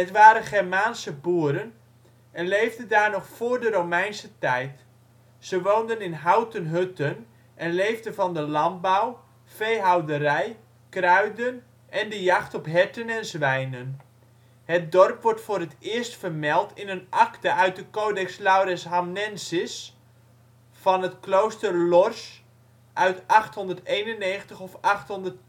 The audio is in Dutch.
waren Germaanse boeren en leefden daar nog voor de Romeinse tijd. Ze woonden in houten hutten en leefden van de landbouw, veehouderij, kruiden en de jacht op herten en zwijnen. Het dorp wordt voor het eerst vermeld in een akte uit de Codex Laureshamnensis van het klooster Lorsch uit 891 of 892